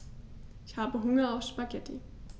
Ich habe Hunger auf Spaghetti.